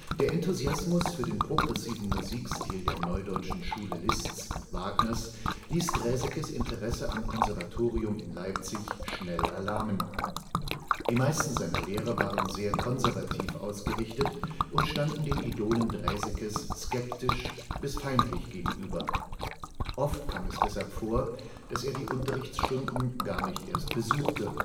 Der Enthusiasmus für den progressiven Musikstil der Neudeutschen Schule Liszts und Wagners ließ Draesekes Interesse am Konservatorium in Leipzig schnell erlahmen. Die meisten seiner Lehrer waren sehr konservativ ausgerichtet und standen den Idolen Draesekes skeptisch bis feindlich gegenüber. Oft kam es deshalb vor, dass er die Unterrichtsstunden gar nicht erst besuchte